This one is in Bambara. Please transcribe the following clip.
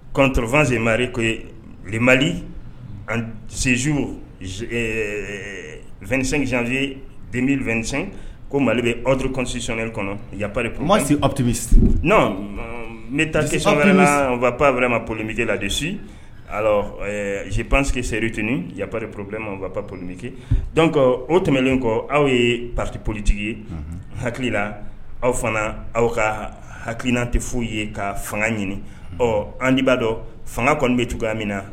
Kɔnɔntoorofasee mariri ko mali sensiw2cze den 2sɛn ko mali bɛ awurusisiɔnri kɔnɔ yaprirepbi nɔn ne taarap pppma polilie la desi sip pansigi serit yapri pplemap ppolilike dɔn o tɛmɛnenlen kɔ aw ye pati politigi ye hakili la aw fana aw ka hakili nina tɛ foyi ye ka fanga ɲini ɔ andi b'a dɔn fanga kɔnɔn bɛ tugu min na